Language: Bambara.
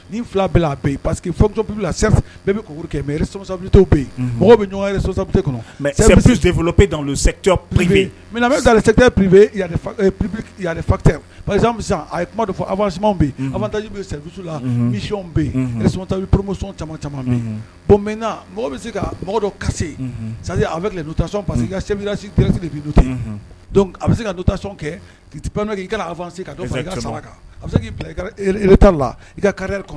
Ni fila pabi bɛ kɛ mɛ yen mɔgɔ bɛ ɲɔgɔn kɔnɔ pecbi fa parce a ye kuma fɔsu layɔn bɛta poroumusɔn caman caman bonna mɔgɔ bɛ se ka mɔgɔw dɔ kasi sa a bɛ du pa que kasi de du ten a bɛ se ka duta sɔn kɛi ka ka ka a se'i bila ta la i ka kari